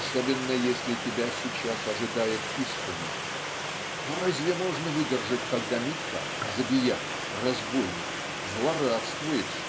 особенно если тебя сейчас ожидает исповедь. Но разве можно выдержать когда Митька забияка разбойник злорадствует